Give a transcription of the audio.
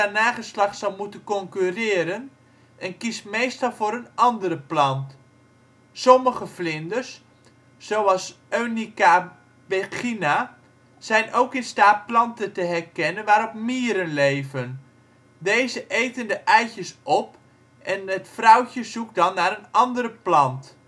nageslacht zal moeten concurreren en kiest meestal voor een andere plant. Sommige vlinders, zoals Eunica bechina, zijn ook in staat planten te herkennen waarop mieren leven; deze eten de eitjes op en het vrouwtje zoek dan naar een andere plant